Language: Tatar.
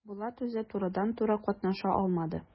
Булат үзе турыдан-туры катнаша алмады.